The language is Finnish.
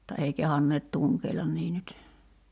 mutta ei kehdanneet tunkeilla niin nyt